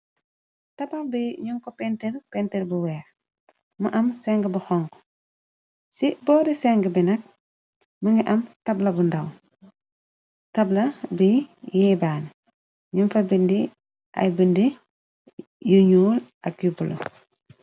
Tabax bi ñum ko pem pem bu weex mu am seng bu xong ci boori seng bi nag mi ngi am tabla bu ndaw tabla bi yéebaani ñum fa bindi ay bindi yu ñuul ak yu bul.